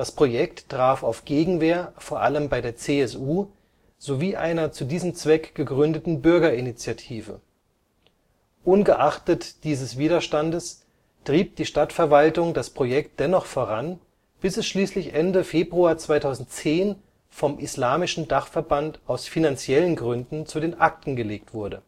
Projekt traf auf Gegenwehr vor allem bei der CSU sowie einer zu diesem Zweck gegründeten Bürgerinitiative. Ungeachtet diese Widerstandes trieb die Stadtverwaltung das Projekt dennoch voran, bis es schließlich Ende Februar 2010 vom islamischen Dachverband aus finanziellen Gründen zu den Akten gelegt wurde